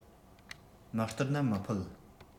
མི སྟེར ནི མི ཕོད